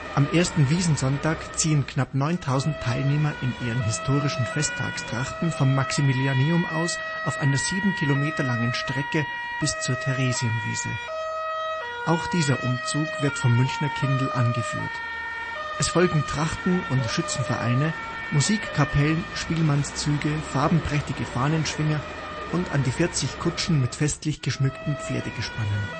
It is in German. Am ersten Wiesn-Sonntag ziehen knapp 9000 Teilnehmer in ihren historischen Festtagstrachten vom Maximilianeum aus auf einer sieben Kilometer langen Strecke bis zur Theresienwiese. Auch dieser Umzug wird vom Münchner Kindl angeführt. Es folgen Trachten - und Schützenvereine, Musikkapellen, Spielmannszüge, farbenprächtige Fahnenschwinger und an die 40 Kutschen mit festlich geschmückten Pferdegespannen